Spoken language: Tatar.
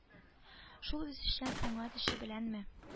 Шул үзешчән сәнгать эше беләнме